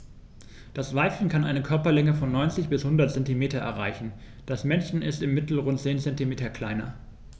Das Weibchen kann eine Körperlänge von 90-100 cm erreichen; das Männchen ist im Mittel rund 10 cm kleiner.